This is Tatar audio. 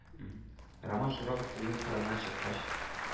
Роман Широков уен кырыннан чыккач,